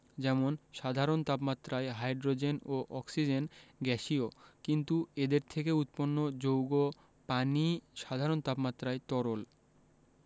যেমন সাধারণ তাপমাত্রায় হাইড্রোজেন ও অক্সিজেন গ্যাসীয় কিন্তু এদের থেকে উৎপন্ন যৌগ পানি সাধারণ তাপমাত্রায় তরল